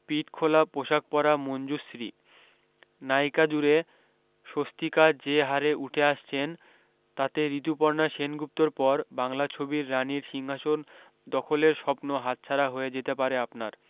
পিঠখোলা পোষাক পরা মঞ্জুশ্রী নায়িকাদুড়ে স্বস্তিকা যে হারে উঠে আসছেন তাতে ঋতুপর্ণা সেনগুপ্তর পর বাংলা ছবির রানির সিংহাসন দখলের স্বপ্ন হাতছাড়া হয়ে যেতে পারে আপনার